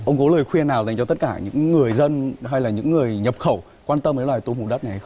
ông có lời khuyên nào dành cho tất cả những người dân hay là những người nhập khẩu quan tâm đến loài tôm hùm đất này